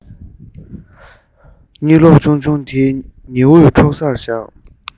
གྲང རླུང འགོག ཆེད ཕྱོགས བཞི རུ རྡོའི ཕྲེང བ བསྟར